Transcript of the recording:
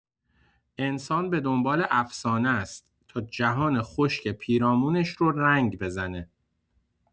انسان به دنبال افسانه‌ست، تا جهان خشک پیرامونش رو رنگ بزنه.